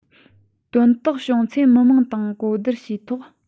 དོན དག བྱུང ཚེ མང ཚོགས དང གོ བསྡུར བྱས ཐོག